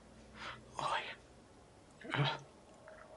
O ia. Yy.